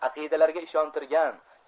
aqidalariga ishontirgan